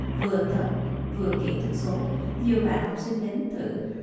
vừa thật vừa kỹ thuật số nhiều bạn học sinh đến thử